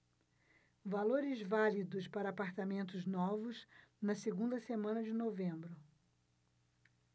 valores válidos para apartamentos novos na segunda semana de novembro